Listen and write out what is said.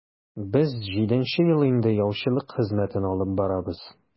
Без җиденче ел инде яучылык хезмәтен алып барабыз.